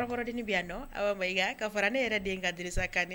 Kɔrɔden bɛ yan aw i ka fara ne yɛrɛ de ka disa ka